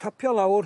Tapio lawr.